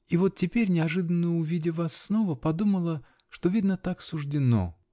и вот теперь, неожиданно увидя вас снова, подумала, что, видно, так суждено.